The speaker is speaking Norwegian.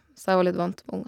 Så jeg var litt vant med unger.